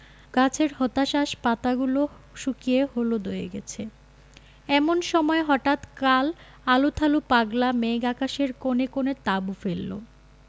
গাছের হতাশ্বাস পাতাগুলো শুকিয়ে হলুদ হয়ে গেছে এমন সময় হঠাৎ কাল আলুথালু পাগলা মেঘ আকাশের কোণে কোণে তাঁবু ফেললো